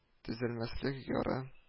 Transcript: Төзәлмәслек яра